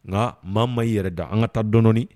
Ŋa maa maɲi i yɛrɛ da an ŋa taa dɔndɔni